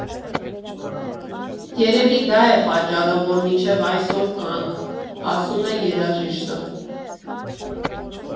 Երևի դա է պատճառը, որ մինչև այսօր կանք, ֊ ասում է երաժիշտը։